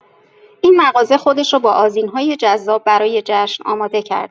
این مغازه خودش رو با آذین‌های جذاب برای جشن آماده کرده.